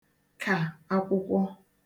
kà akwụkwọ